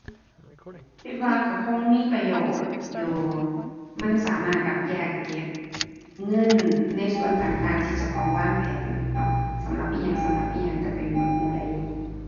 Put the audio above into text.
คิดว่าก็คงมีประโยชน์อยู่ มันสามารถแบบแยกเก็บเงินในส่วนต่างต่างที่เจ้าของวางแผนเนาะ สำหรับอิหยัง สำหรับอิหยัง ก็เป็นหมวดหมู่ได้อยู่